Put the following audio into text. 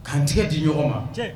'antigɛ di ɲɔgɔn ma